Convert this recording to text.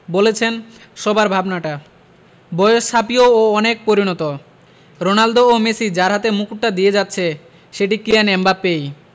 বলেছেন সবার ভাবনাটা বয়স ছাপিয়েও ও অনেক পরিণত রোনালদো ও মেসি যার হাতে মুকুটটা দিয়ে যাচ্ছে সেটি কিলিয়ান এমবাপ্পেই